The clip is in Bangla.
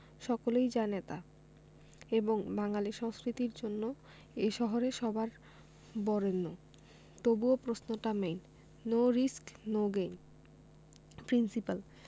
সকলেই জানে তা এবং বাঙালী সংস্কৃতির জন্য এ শহরে সবার বরেণ্য তবুও প্রশ্নটা main no risk no gain principal